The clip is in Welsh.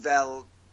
fel